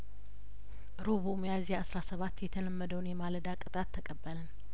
ሮቡ እሚያዝያ አስራ ስባት የተለመደውን የማለዳ ቅጣት ተቀበልን